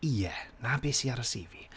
Ie, na be sy ar y CV.